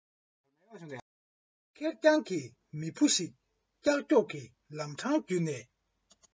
ཁེར རྐྱང གི མི བུ ཞིག ཀྱག ཀྱོག གི ལམ འཕྲང རྒྱུད ནས